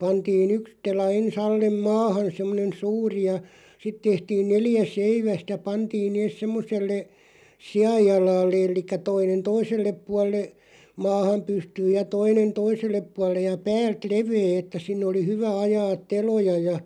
pantiin yksi tela ensin alle maahan semmoinen suuri ja sitten tehtiin neljä seivästä pantiin ne semmoiselle sianjalalle eli toinen toiselle puolelle maahan pystyyn ja toinen toiselle puolelle ja päältä leveä että sinne oli hyvä ajaa teloja ja